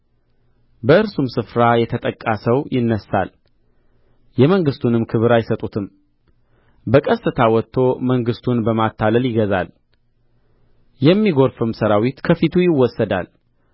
በእርሱም ስፍራ የተጠቃ ሰው ይነሣል የመንግሥቱንም ክብር አይሰጡትም በቀስታ መጥቶ መንግሥቱን በማታለል ይገዛል የሚጐርፍም ሠራዊት ከፊቱ ይወሰዳል